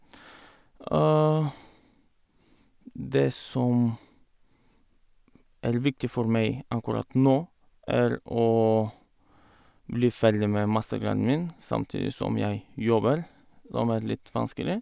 Og det som er viktig for meg akkurat nå, er å bli ferdig med mastergraden min, samtidig som jeg jobber, som er litt vanskelig.